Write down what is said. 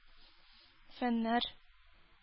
Фәннәр